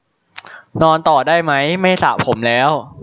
นอนต่อได้ไหมไม่สระผมแล้ว